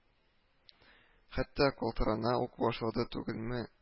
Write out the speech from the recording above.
Хәтта калтырана ук башлады түгелме